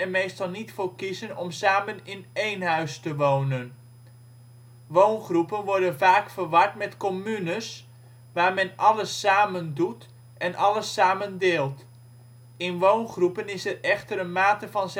meestal niet voor kiezen om samen in één huis te wonen. Woongroepen worden vaak verward met communes, waar men alles samen doet en alles samen deelt. In woongroepen is er echter een mate van